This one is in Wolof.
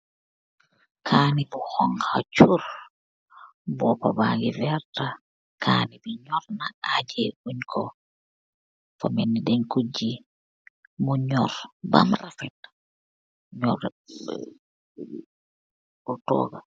Kani bu honxa jur, bopa bangi verta, kani bi nyor na aji ngun ko, defa melni denko jii mu nyor bam refet.